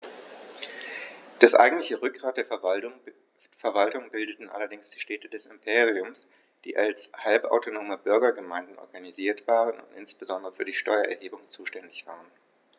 Das eigentliche Rückgrat der Verwaltung bildeten allerdings die Städte des Imperiums, die als halbautonome Bürgergemeinden organisiert waren und insbesondere für die Steuererhebung zuständig waren.